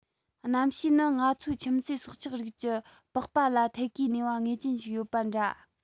གནམ གཤིས ནི ང ཚོའི ཁྱིམ གསོས སྲོག ཆགས རིགས ཀྱི པགས པ ལ ཐད ཀའི ནུས པ ངེས ཅན ཞིག ཡོད པ འདྲ